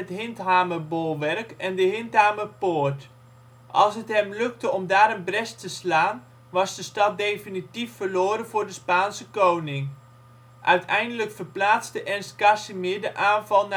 Hinthamerbolwerk en de Hinthamer Poort. Als het hem lukte om daar een bres te slaan, was de stad definitief verloren voor de Spaanse koning. Uiteindelijk verplaatste Ernst Casimir de aanval